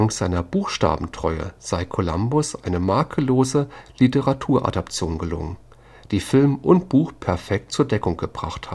seiner „ Buchstabentreue “sei Columbus eine „ makellose Literaturadaption gelungen “, die „ Film und Buch perfekt zur Deckung gebracht